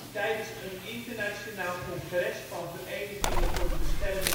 Tijdens een internationaal congres van